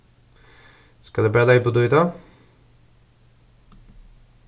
skal eg bara leypa út í tað